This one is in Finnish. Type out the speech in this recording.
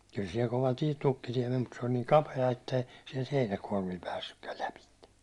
kyllä siellä kova - tukkitie meni mutta se oli niin kapea että ei sieltä heinäkuormilla päässytkään lävitse